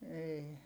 ei